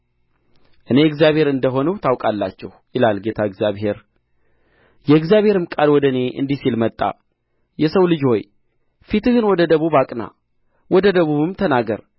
እኔ እግዚአብሔር እንደ ሆንሁ ታውቃላችሁ ይላል ጌታ እግዚአብሔር የእግዚአብሔርም ቃል ወደ እኔ እንዲህ ሲል መጣ የሰው ልጅ ሆይ ፊትህን ወደ ደቡብ አቅና ወደ ደቡብም ተናገር